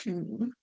Mm.